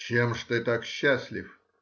— Чем же ты так счастлив?